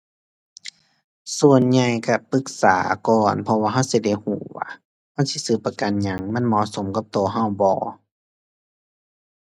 ส่วนใหญ่ก็ปรึกษาก่อนเพราะว่าก็สิได้ก็ว่า ก็สิซื้อประกันหยัง มันเหมาะสมกับก็ก็บ่